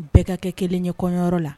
U bɛɛ ka kɛ kelen ɲɛkɔyɔrɔ la